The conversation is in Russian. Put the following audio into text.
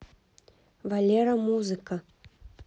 валера музыка